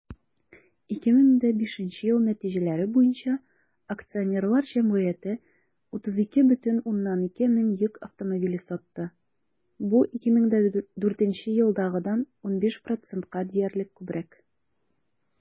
2005 ел нәтиҗәләре буенча акционерлар җәмгыяте 32,2 мең йөк автомобиле сатты, бу 2004 елдагыдан 15 %-ка диярлек күбрәк.